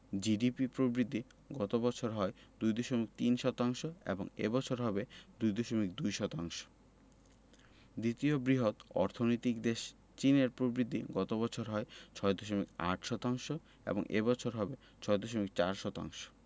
GDP প্রবৃদ্ধি গত বছর হয় ২.৩ শতাংশ এবং এ বছর হবে ২.২ শতাংশ দ্বিতীয় বৃহৎ অর্থনৈতিক দেশ চীনের প্রবৃদ্ধি গত বছর হয় ৬.৮ শতাংশ এবং এ বছর হবে ৬.৪ শতাংশ